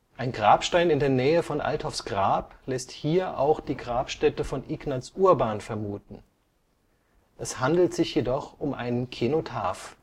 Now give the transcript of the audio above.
Ein Grabstein in der Nähe von Althoffs Grab lässt hier auch die Grabstätte von Ignaz Urban vermuten. Es handelt sich jedoch um einen Kenotaph